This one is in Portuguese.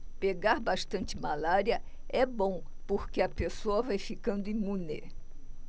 pegar bastante malária é bom porque a pessoa vai ficando imune